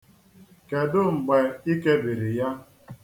Kedu mgbe i kebiri ya.